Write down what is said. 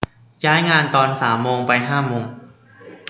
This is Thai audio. ย้ายงานตอนสามโมงไปห้าโมง